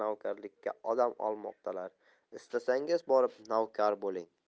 navkarlikka odam olmoqdalar istasangiz borib navkar bo'ling